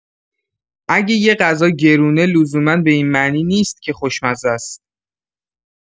اگه یه غذا گرونه لزوما به این معنی نیست که خوشمزه‌ست.